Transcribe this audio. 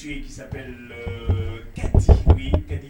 Susa gti wt